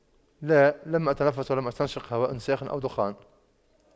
لا لم أتنفس ولم استنشق هواء ساخن أو دخان